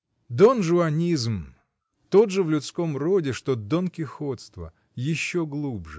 — Донжуанизм — то же в людском роде, что донкихотство: еще глубже